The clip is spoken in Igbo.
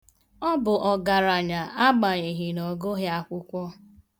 Ọ bụ ọgaranya agbanyeghị na ọ gụghị akwụkwọ.